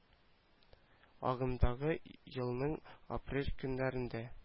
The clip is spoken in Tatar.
Агымдагы елның - апрель көннәрендә